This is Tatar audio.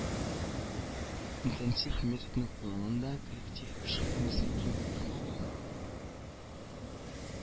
Интенсив методны кулланганда, коллектив эш формасы киң урын ала